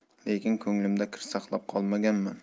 lekin ko'nglimda kir saqlab qolmaganman